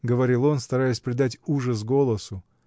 — говорил он, стараясь придать ужас голосу.